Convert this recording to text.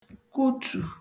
kụtù